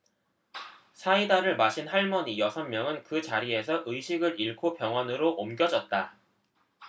사이다를 마신 할머니 여섯 명은 그 자리에서 의식을 잃고 병원으로 옮겨졌다